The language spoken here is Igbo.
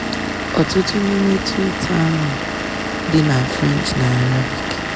Ọtụtụ n'ime twiit ahụ dị na French na Arabic.